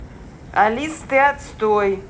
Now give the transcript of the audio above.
алиса ты отстой